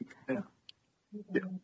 Ia. Ia.